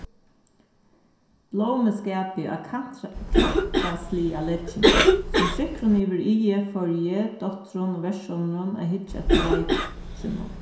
blómuskapið á klantrasliga legginum sum prikkurin yvir i'ið fóru eg dóttirin og versonurin at hyggja eftir leikinum